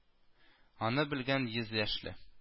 Аны белгән йөз яшьле